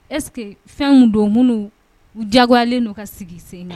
Ɛseke que fɛnw don minnu u diyagolen n' ka sigi sen na